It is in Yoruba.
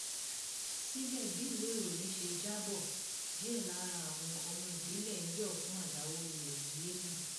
Síbẹ̀, bí ìwé ìròyìn ṣe jábọ̀, díẹ̀ lára àwọn ọmọ ìbílẹ̀ ń yọ̀ fún àdàwólulẹ̀ ilé náà.